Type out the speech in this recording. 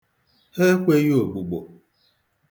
Ha ekweghị ogbugbo.